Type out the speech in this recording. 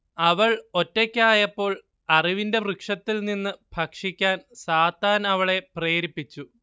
അവൾ ഒറ്റയ്ക്കായപ്പോൾ അറിവിന്റെ വൃക്ഷത്തിൽ നിന്ന് ഭക്ഷിക്കാൻ സാത്താൻ അവളെ പ്രേരിപ്പിച്ചു